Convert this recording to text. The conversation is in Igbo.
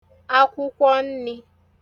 akwụkwọ nnī